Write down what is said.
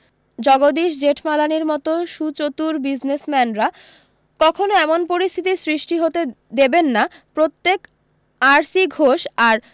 জগদীশ জেঠমালানির মতো সুচতুর বিজনেসম্যানরা কখনো এমন পরিস্থিতির সৃষ্টি হতে দেবেন না প্রত্যেক আর সি ঘোষ আর